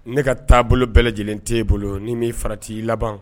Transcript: Ne ka taabolo bolo bɛɛ lajɛlen tɛ bolo ni min fara t' i laban.